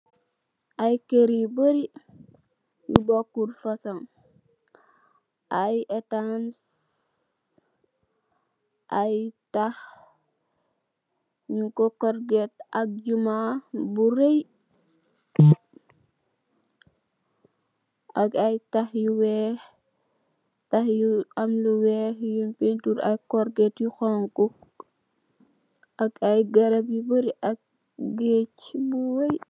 ei karr yu borri yu bokut fashion ayy etans ayy takh nyuko korget ak jummah bu Rey ak ayy takh yu wekh takh yu am lu wekh yuny penturr AK korget yu xoxu AK ayy garab you barri ak gech